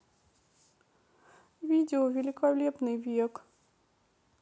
видео великолепный век